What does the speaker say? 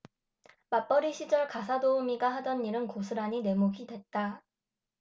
맞벌이 시절 가사도우미가 하던 일은 고스란히 내 몫이 됐다